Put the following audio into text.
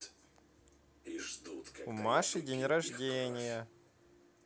у маши день рождения